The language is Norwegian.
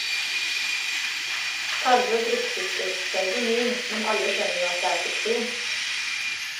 Kalvø brukte ikke pseudonym, men alle skjønner jo at det er fiksjon.